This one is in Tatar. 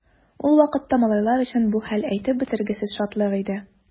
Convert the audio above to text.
Ул вакытта малайлар өчен бу хәл әйтеп бетергесез шатлык иде.